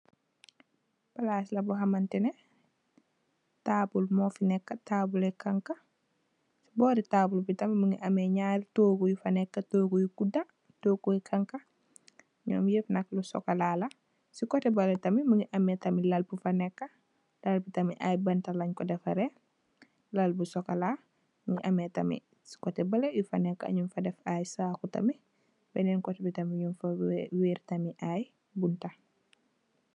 Palaas la boo xamantene, taabul bu mu fa nekk, taabuli xaagxa, si boori taabul bi tamit mingi am nyaari toogu yu fa neka, toogu yu guddu, tooguy xaagxa, nyom nyapp nak kuloor yu sokola la, si kote bale tamit mingi ame tam lal bu fa neka, lal tamit ay xaagxa lenj ko defare, lal bu sokola, mu ame tamit si bale yu fa neka, nyun fa def ay saku tamit, benneen kote bi tamit nyun fa wer tamit ay bunta.